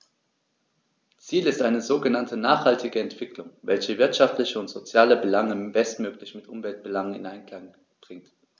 Ziel ist eine sogenannte nachhaltige Entwicklung, welche wirtschaftliche und soziale Belange bestmöglich mit Umweltbelangen in Einklang bringt.